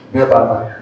Ne baba